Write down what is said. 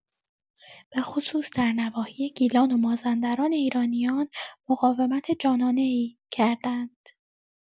بخصوص در نواحی گیلان و مازندران ایرانیان مقاومت جانانه‌ای کردند.